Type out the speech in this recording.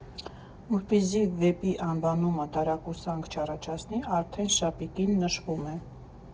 Որպեսզի վեպի անվանումը տարակուսանք չառաջացնի, արդեն շապիկին նշվում է.